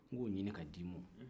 n k'o ɲinin k'a d'i ma